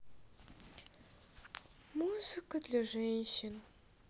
музыка для женщин